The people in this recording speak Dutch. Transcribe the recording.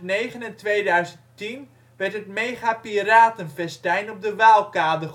2009 en 2010 werd het Mega Piraten Festijn op de Waalkade